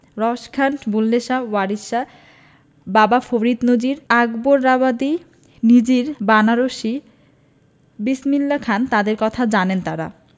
রস খান বুল্লে শাহ ওয়ারিশ শাহ বাবা ফরিদ নজির আকবরাবাদি নিজির বানারসি বিসমিল্লা খান তাঁদের কথা জানেন তাঁরা